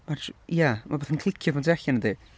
Mae'n sh- ia, ma' rywbeth yn clicio pan ti allan yndi?